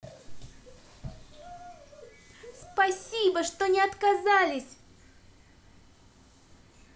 спасибо что не отказались